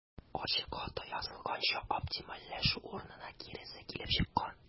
Ачык хатта язылганча, оптимальләшү урынына киресе килеп чыккан.